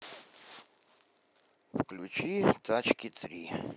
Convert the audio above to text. включи тачки три